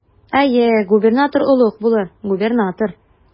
Әйе, губернатор олуг булыр, губернатор.